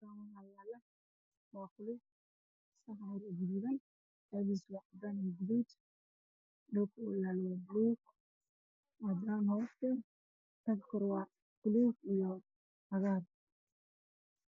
Sawir xayeysiis ah waxaa ii muuqda weel midabkiisu yahay qaxwi waa buluug iyo caddaan